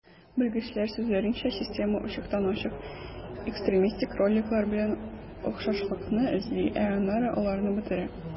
Белгечләр сүзләренчә, система ачыктан-ачык экстремистик роликлар белән охшашлыкны эзли, ә аннары аларны бетерә.